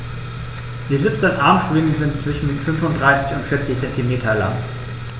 Die 17 Armschwingen sind zwischen 35 und 40 cm lang.